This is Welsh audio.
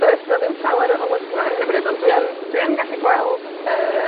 Does 'na ddim llawer o 'lygfa ar hyn o bryd, ond dwi yn, dwi yn gallu gweld, yy,